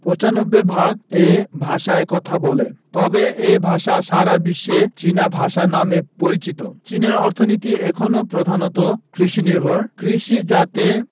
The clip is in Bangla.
৯৫ ভাগ এ ভাষায় কথা বলে তবে এ ভাষা সারা বিশ্বে চীনা ভাষা নামে পরিচিত চীনের অর্থনীতি এখনো প্রধানত কৃষিনির্ভর কৃষিজাত